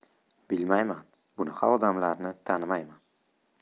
bilmayman bunaqa odamlarni tanimayman